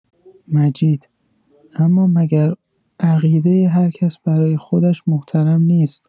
مجید: اما مگر عقیدۀ هر کس برای خودش محترم نیست؟